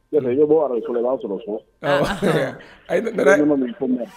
Ibɔ ara'a sɔrɔ fɔ a ɲa min ko